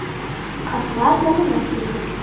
Кызлар янына килдек.